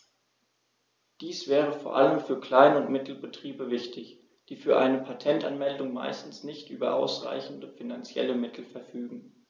Dies wäre vor allem für Klein- und Mittelbetriebe wichtig, die für eine Patentanmeldung meistens nicht über ausreichende finanzielle Mittel verfügen.